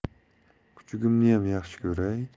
kuchugimniyam yaxshi ko'ray